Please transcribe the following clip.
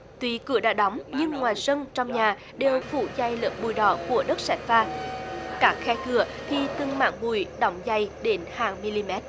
tuy cửa đã đóng nhưng ngoài sân trong nhà đều phủ dày lớp bụi đỏ của đất sét pha các khe cửa thì từng mảng bụi đóng dày đến hàng mi li mét